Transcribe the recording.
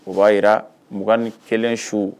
O b'a jirara mugan kelen su